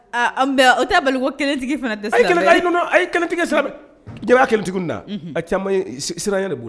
Aaa an o tɛ bali ko kelentigi fana tɛ a ye a ye kɛlɛtigi sira jaba kɛlɛtigi na a caman sira yɛrɛ bolo